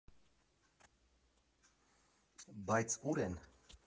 Բայց ու՞ր են։